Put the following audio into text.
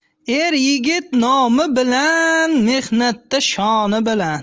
er yigit nomi bilan mehnatda shoni bilan